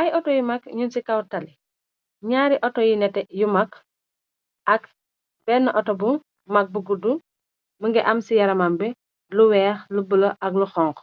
Ay auto yu mag ñun ci kaw tali, ñaari auto yu nete yu mag, ak benne auto bu mag bu guddu, më nge am ci yaramam bi lu weex, lu bula ak lu xonxa,